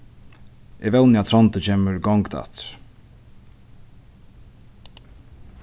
eg vóni at tróndur kemur í gongd aftur